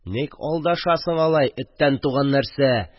– ник алдашасың алай, эттән туган нәрсә?